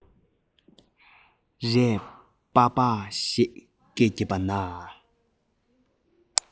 རས བཱ བཱ ཞེས སྐད བརྒྱབ པ ན